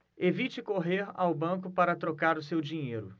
evite correr ao banco para trocar o seu dinheiro